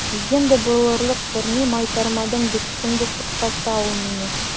Легенда булырлык берни майтармадым, – дип шундук туктата ул мине.